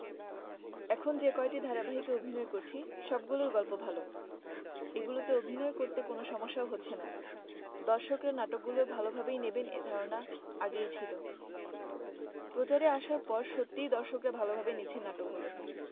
এখন যে কয়টি ধারাবাহিকে অভিনয় করছি সবগুলোর গল্প ভালো এগুলোতে অভিনয় করতে কোনো সমস্যাও হচ্ছে না দর্শকরা নাটকগুলো ভালোভাবেই নেবেন এ ধারণা আগেই ছিল প্রচারে আসার পর সত্যিই দর্শকরা ভালোভাবে নিচ্ছেন নাটকগুলো